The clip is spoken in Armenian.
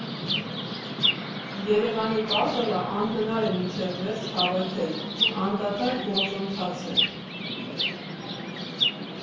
Երևանի փազլը, անհնար է մինչև վերջ հավաքել՝ անդադար գործընթաց է։